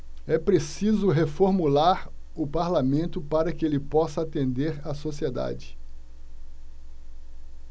é preciso reformular o parlamento para que ele possa atender a sociedade